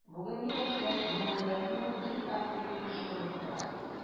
Бүгенге яшьләр – җәмгыятьнең иң актив өлеше булып тора.